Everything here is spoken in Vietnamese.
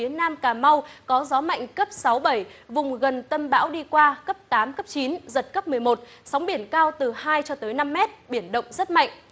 phía nam cà mau có gió mạnh cấp sáu bảy vùng gần tâm bão đi qua cấp tám cấp chín giật cấp mười một sóng biển cao từ hai cho tới năm mét biển động rất mạnh